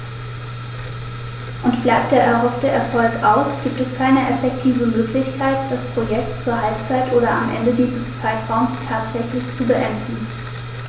Und bleibt der erhoffte Erfolg aus, gibt es keine effektive Möglichkeit, das Projekt zur Halbzeit oder am Ende dieses Zeitraums tatsächlich zu beenden.